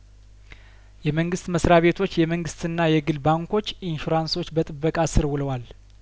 የመንግስት መስሪያቤቶች የመንግስትና የግል ባንኮች ኢንሹራንሶች በጥበቃ ስርውለዋል